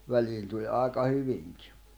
väliin tuli aika hyvinkin